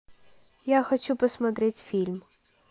я хочу посмотреть фильм